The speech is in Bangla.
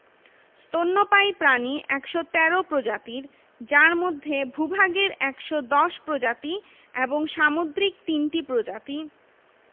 কক্সবাজার বিমান বন্দর যশোর বিমান বন্দর বরিশাল বিমান বন্দর রাজশাহী বিমান বন্দর সৈয়দপুর বিমান বন্দর নিলফামারী ঈশ্বরদী বিমান বন্দর পাবনা তেজগাঁও স্টল পোর্ট ঢাকা